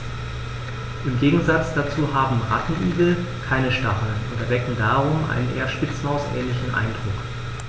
Im Gegensatz dazu haben Rattenigel keine Stacheln und erwecken darum einen eher Spitzmaus-ähnlichen Eindruck.